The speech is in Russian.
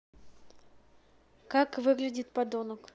как выглядит подонок